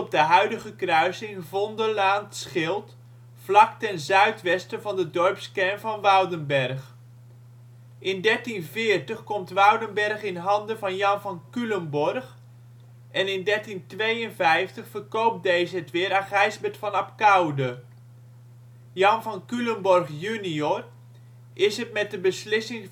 de huidige kruising Vondellaan /' t Schilt, vlak ten zuidwesten van de dorpskern van Woudenberg. In 1340 komt Woudenberg in handen van Jan van Culemborg en in 1352 verkoopt deze het weer aan Gijsbert van Abcoude. Jan van Culemborg junior is het met de beslissing